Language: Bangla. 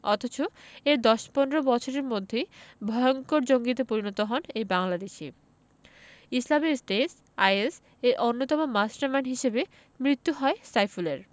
অথচ এর ১০ ১৫ বছরের মধ্যেই ভয়ংকর জঙ্গিতে পরিণত হন এই বাংলাদেশি ইসলামিক স্টেট আইএস এর অন্যতম মাস্টারমাইন্ড হিসেবে মৃত্যু হয় সাইফুলের